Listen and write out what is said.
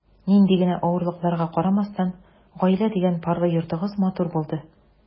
Нинди генә авырлыкларга карамастан, “гаилә” дигән парлы йортыгыз матур булды.